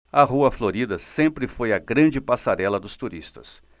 a rua florida sempre foi a grande passarela dos turistas